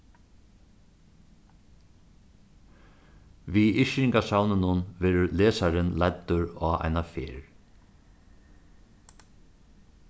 við yrkingasavninum verður lesarin leiddur á eina ferð